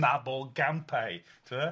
mabwl gampau, tibod.